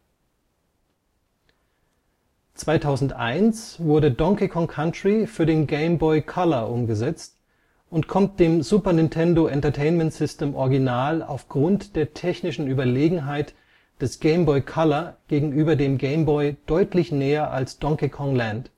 2001 wurde Donkey Kong Country für den Game Boy Color umgesetzt, und kommt dem SNES-Original aufgrund der technischen Überlegenheit des GBC gegenüber dem Game Boy deutlich näher als Donkey Kong Land